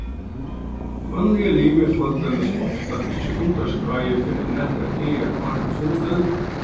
vanligir limir fáa til dømis ofta ikki fundarskráir fyrr enn nakrar dagar áðrenn fundin